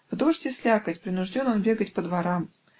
В дождь и слякоть принужден он бегать по дворам